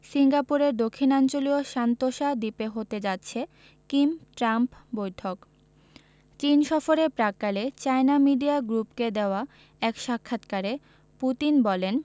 সিঙ্গাপুরের দক্ষিণাঞ্চলীয় সান্তোসা দ্বীপে হতে যাচ্ছে কিম ট্রাম্প বৈঠক চীন সফরের প্রাক্কালে চায়না মিডিয়া গ্রুপকে দেওয়া এক সাক্ষাৎকারে পুতিন বলেন